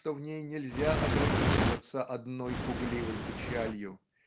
что в ней нельзя ограничиваться одной пугливой печалью